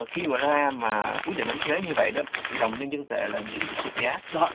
khi vừa ra mà quyết định đánh thuế như vậy thì đồng nhân dân tệ là bị sụt giá thì